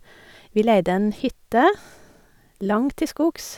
Vi leide en hytte langt til skogs.